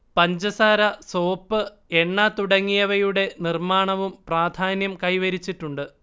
പഞ്ചസാര സോപ്പ് എണ്ണ തുടങ്ങിയവയുടെ നിർമ്മാണവും പ്രാധാന്യം കൈവരിച്ചിട്ടുണ്ട്